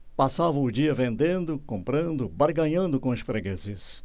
passava o dia vendendo comprando barganhando com os fregueses